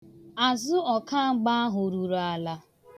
Azụ ọkamgba ahụ ruru ala.